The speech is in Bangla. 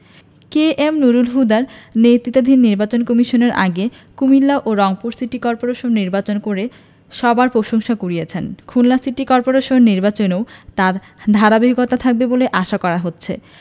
কে এম নুরুল হুদার নেতৃত্বাধীন নির্বাচন কমিশন এর আগে কুমিল্লা ও রংপুর সিটি করপোরেশন নির্বাচন করে সবার প্রশংসা কুড়িয়েছে খুলনা সিটি করপোরেশন নির্বাচনেও তার ধারাবাহিকতা থাকবে বলে আশা করা হচ্ছে